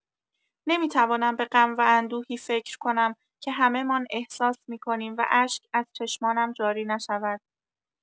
نمی‌توانم به غم و اندوهی فکر کنم که همه‌مان احساس می‌کنیم و اشک از چشمانم جاری نشود!